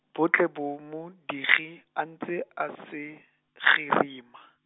bo tle bo mo dige, a ntse a se, gerima.